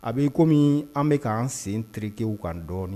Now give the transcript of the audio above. A bi kɔmi min an bɛka ka sen kikew kan dɔɔninɔni